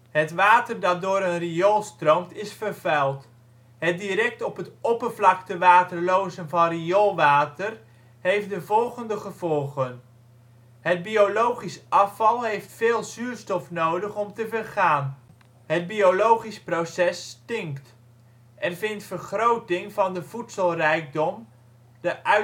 Het water dat door een riool stroomt is vervuild. Het direct op het oppervlaktewater lozen van rioolwater heeft de volgende gevolgen: Het biologisch afval heeft veel zuurstof nodig om te vergaan. Het biologisch proces stinkt. Er vindt vergroting van de voedselrijkdom (eutrofiëring